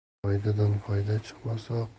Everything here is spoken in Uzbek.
foydadan foyda chiqmasa